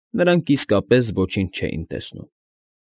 Նրանք իսկապես ոչինչ չէին տեսնում։